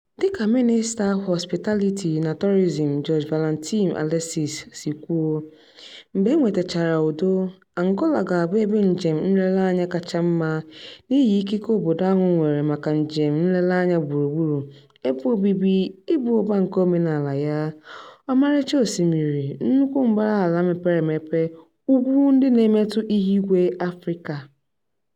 Dịka Mịnịsta Hospitality and Tourism, Jorge Valentim Alicerces si kwuo, “mgbe e nwetachara udo, Angola ga-abụ ebe njem nlereanya kacha mma n'ihi ikike obodo ahụ nwere maka njem nlereanya gburugburu ebe obibi, ịba ụba nke omenala ya, ọmarịcha osimiri, nnukwu mbaraala mepere emepe, ugwu ndị na-emetụ ihuigwe Afrịka.